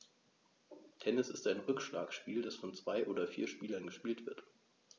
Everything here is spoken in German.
Tennis ist ein Rückschlagspiel, das von zwei oder vier Spielern gespielt wird.